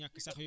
si gerte gi